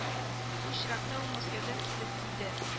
Бу очракта ул мәскәүдән килгән иде